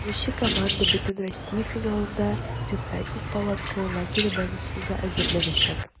Җиңүче команда бөтенроссия финалына "Десантник" палаткалы лагере базасында әзерләнәчәк.